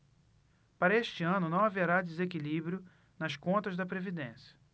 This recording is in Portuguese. para este ano não haverá desequilíbrio nas contas da previdência